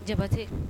Jabatɛ